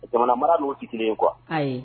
Jamana mara n'o tɛ kelen ye kuwa ayi